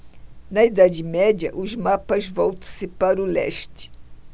na idade média os mapas voltam-se para o leste